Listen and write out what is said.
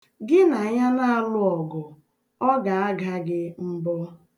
Gị na ya na-alụ ọgụ, ọ ga-aga gị mbọ.